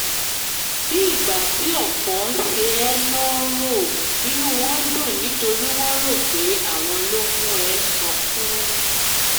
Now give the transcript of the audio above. Bí ìgbà tí òfò ń ṣe ẹ ló ń rò. Inú wọn ń dùn ni torí wọ́n rò pé àwọn ló ń mú ẹ sọkún.@